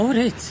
O reit.